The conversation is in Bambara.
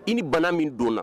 I ni bana min donna na